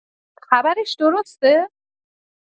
خبرش درسته؟